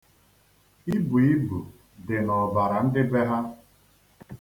Ibu ibu dị n'ọbara ndị be ha.